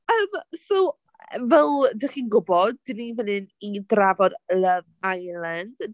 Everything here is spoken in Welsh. Yym so fel dach chi'n gwybod, dan ni fan hyn i drafod Love Island.